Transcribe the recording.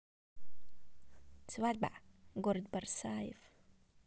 свадьба город барсаев